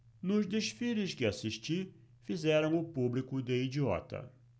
nos desfiles que assisti fizeram o público de idiota